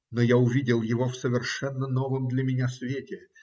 но я увидел его в совершенно новом для меня свете.